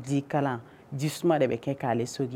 Di kalan ji suma de bɛ kɛ k'a alesogin